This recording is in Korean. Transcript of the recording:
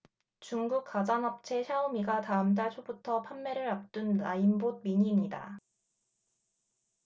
중국 가전업체 샤오미가 다음 달 초부터 판매를 앞둔 나인봇 미니입니다